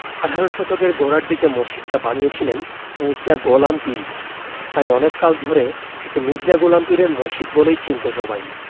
আঠারো শতকের গোড়ার দিকে মসজিদটা বানিয়েছিলেন মির্জা গোলাম পীর তাই অনেক কাল ধরে একে মির্জা গোলাম পীরের মসজিদ বলেই চিনতো সবাই